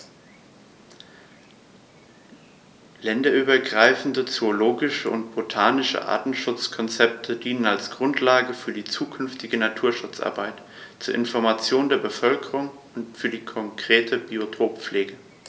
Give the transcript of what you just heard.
Länderübergreifende zoologische und botanische Artenschutzkonzepte dienen als Grundlage für die zukünftige Naturschutzarbeit, zur Information der Bevölkerung und für die konkrete Biotoppflege.